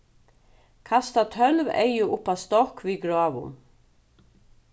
kasta tólv eygu upp á stokk við gráum